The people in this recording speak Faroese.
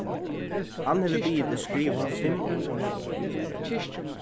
hann hevur biðið teg skrivað fimm orð